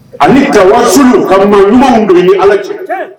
Ani tawa su ka ɲumanw don ni ala cɛ